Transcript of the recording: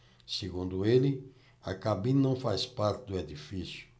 segundo ele a cabine não faz parte do edifício